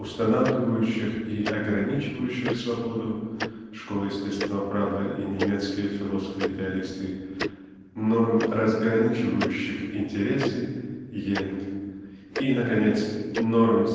устанавливающих и ограничивающих свободу (школа естественного права и немецкие философы идеалисты) -- норм разграничивающих интересы (Иеринг) и наконец -- норм